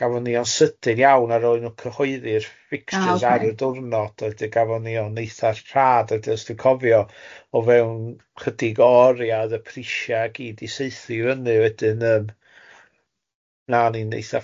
gafon ni o'n sydyn iawn a roi nhw cyhoeddi'r fixtures ar y diwrnod a wedyn gafon ni o'n eitha rhad a wedyn os dwi'n cofio o fewn ychydig o oriau oedd y prisia i gyd i saethu i fyny wedyn yym na o'n i'n eitha